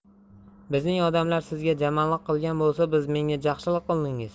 bizning odamlar sizga jamanliq qilgan bo'lsa siz menga jaxshiliq qildingiz